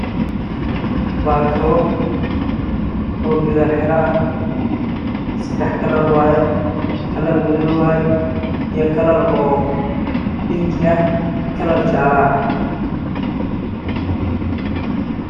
Waa kabo oosuun leh kalar madow